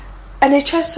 En Heitch Ess...